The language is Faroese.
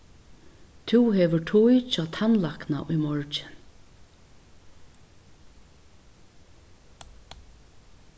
tú hevur tíð hjá tannlækna í morgin